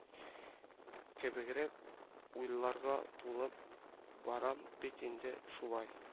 Кебегрәк уйларга тулып барам бит инде шулай